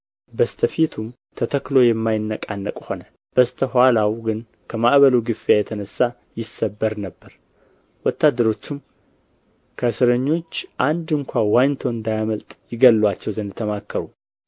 በስተ ፊቱም ተተክሎ የማይነቃነቅ ሆነ በስተ ኋላው ግን ከማዕበሉ ግፊያ የተነሣ ይሰበር ነበር ወታደሮቹም ከእስረኞች አንድ ስንኳ ዋኝቶ እንዳያመልጥ ይገድሉአቸው ዘንድ ተማከሩ